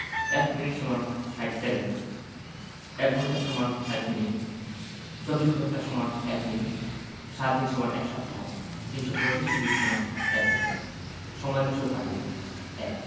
১ minute = ৬০ second ১ঘন্টা = ৬০ minute ২৪ ঘন্টা = ১ দিন ৭ দিন = ১ সপ্তাহ ৩৬৫ দিন = ১বছর সময় বিষয়ক পাটিগনিতঃ ১